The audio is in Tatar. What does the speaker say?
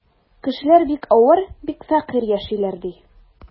Кешеләр бик авыр, бик фәкыйрь яшиләр, ди.